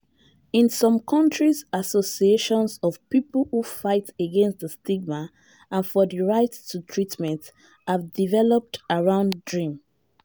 In some countries associations of people who fight against the stigma and for the right to treatment have developed around DREAM.